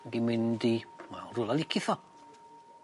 Ag i mynd i wel rywle licith o.